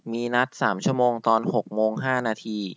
มีนัดสามชั่วโมงตอนหกโมงห้านาที